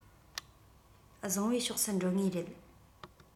བཟང བའི ཕྱོགས སུ འགྲོ ངེས རེད